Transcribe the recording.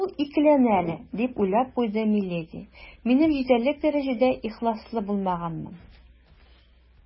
«ул икеләнә әле, - дип уйлап куйды миледи, - минем җитәрлек дәрәҗәдә ихласлы булмаганмын».